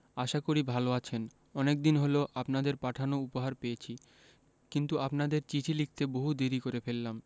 আশা করি ভালো আছেন অনেকদিন হল আপনাদের পাঠানো উপহার পেয়েছি কিন্তু আপনাদের চিঠি লিখতে বহু দেরী করে ফেললাম